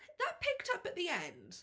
That picked up at the end.